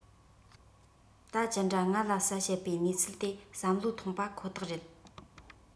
ད ཅི འདྲ ང ལ གསལ བཤད པའི གནས ཚུལ དེ བསམ བློ ཐོངས པ ཁོ ཐག རེད